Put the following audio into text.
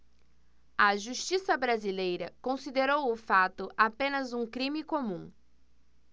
a justiça brasileira considerou o fato apenas um crime comum